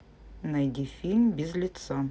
найди фильм без лица